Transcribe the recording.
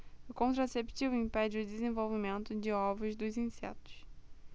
o contraceptivo impede o desenvolvimento de ovos dos insetos